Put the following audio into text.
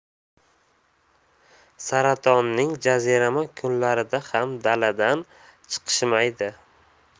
saratonning jazirama kunlarida ham daladan chiqishmaydi